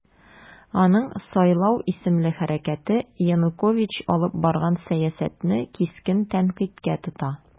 Аның "Сайлау" исемле хәрәкәте Янукович алып барган сәясәтне кискен тәнкыйтькә тота.